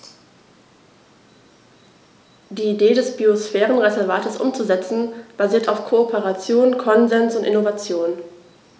Die Idee des Biosphärenreservates umzusetzen, basiert auf Kooperation, Konsens und Innovation.